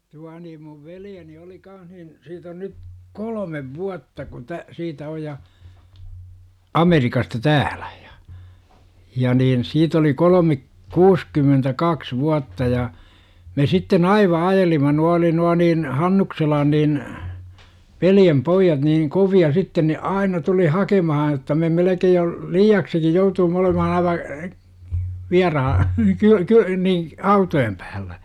tuo niin minun veljeni oli kanssa niin siitä on nyt kolme vuotta kun - siitä on ja Amerikasta täällä ja ja niin siitä oli kolme kuusikymmentäkaksi vuotta ja me sitten - aivan ajelimme nuo oli nuo niin Hannukselan niin veljenpojat niin kovia sitten ne aina tuli hakemaan jotta me melkein jo liiaksikin jouduimme olemaan aivan vieraan -- niin autojen päällä